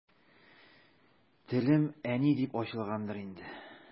Телем «әни» дип ачылгангадыр инде.